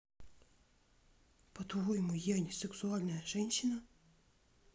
по твоему я не сексуальная женщина